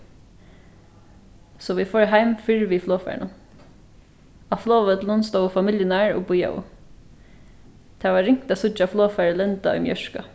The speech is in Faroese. so vit fóru heim fyrr við flogfarinum á flogvøllinum stóðu familjurnar og bíðaðu tað var ringt at síggja flogfarið lenda í mjørka